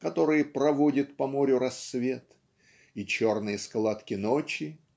которые проводит по морю рассвет и "черные складки ночи"